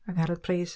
Angharad Price.